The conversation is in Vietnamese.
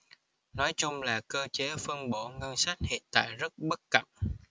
nói chung là cơ chế phân bổ ngân sách hiện tại rất bất cập